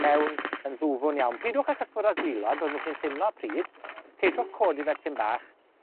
mewn yn ddwfwn iawn. Pidwch â chyfwrdd âr gwilod, fyddwch chi'n teimlo pryd. Ceisiwch codi fe tym bach,